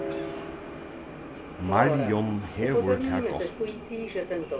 marjun hevur tað gott